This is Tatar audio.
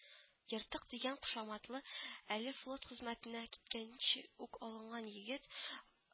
Ертык дигән кушаматлы әле флот хезмәтенә киткәнче үк алган егет